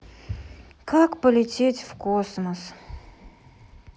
как полететь в космос